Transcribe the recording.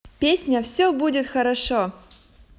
песня все будет хорошо